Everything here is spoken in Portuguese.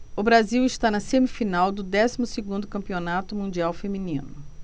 o brasil está na semifinal do décimo segundo campeonato mundial feminino